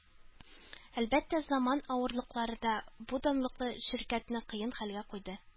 Әлбәттә, заман авырлыклары да бу данлыклы ширкәтне кыен хәлгә куйды.